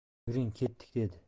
yuring ketdik dedi